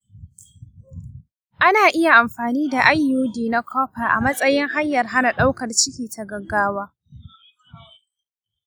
ana iya amfani da iud na copper a matsayin hanyar hana ɗaukar ciki ta gaggawa.